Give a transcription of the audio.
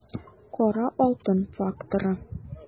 Кара алтын факторы